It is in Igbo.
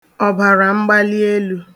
ọ̀bàràmgbalielù